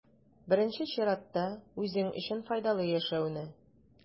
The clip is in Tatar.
Беренче чиратта, үзең өчен файдалы яшәүне.